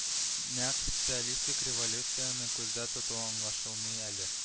Нәкъ социалистик революцияне күздә тотуы аңлашылмый әле